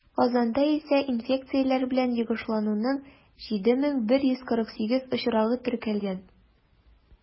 Казанда исә инфекцияләр белән йогышлануның 7148 очрагы теркәлгән.